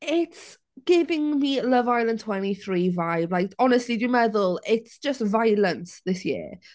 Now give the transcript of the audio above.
It's giving me Love Island twenty three vibes like honestly dwi'n meddwl it's just violence this year.